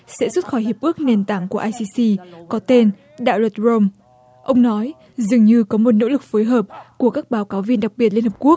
sẽ rút khỏi hiệp ước nền tảng của ai xi xi có tên đạo luật rôm ông nói dường như có một nỗ lực phối hợp của các báo cáo viên đặc biệt liên hiệp quốc